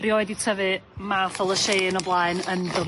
Rioed 'di tyfu math o lysieuyn o blaen yn fy mywyd.